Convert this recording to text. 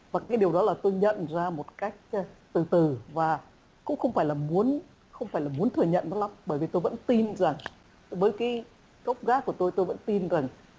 và cái điều đó là tôi nhận ra một cách từ từ từ và cũng không phải là muốn không phải là muốn thừa nhận bởi vì tôi vẫn tin rằng với cái gốc gác của tôi tôi vẫn tin rằng